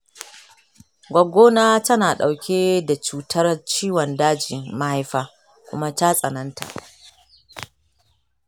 gwaggona ta na ɗauke da cutar ciwon dajin mahaifa kuma ta tsananta